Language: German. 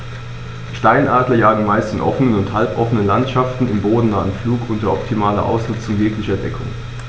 Steinadler jagen meist in offenen oder halboffenen Landschaften im bodennahen Flug unter optimaler Ausnutzung jeglicher Deckung.